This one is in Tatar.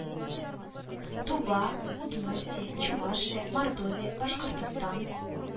Тува, Удмуртия, Чувашия, Мордовия, Башкортстан